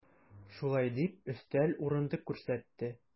Шулай дип, өстәл, урындык күрсәтте.